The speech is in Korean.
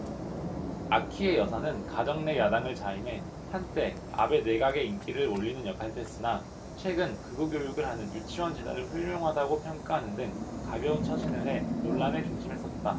아키에 여사는 가정 내 야당을 자임해 한때 아베 내각의 인기를 올리는 역할도 했으나 최근 극우교육을 하는 유치원재단을 훌륭하다고 평가하는 등 가벼운 처신을 해 논란의 중심에 섰다